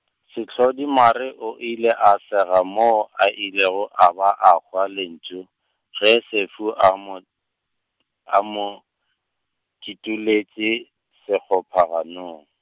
Sehlodimare o ile a sega moo a ilego a ba a hwa lentšu, ge Sefu a mo, a mo kitolotše sekgopha ganong.